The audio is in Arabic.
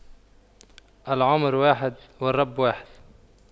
العمر واحد والرب واحد